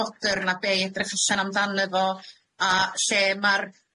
fodern a be' edrych allan amdany fo a lle ma'r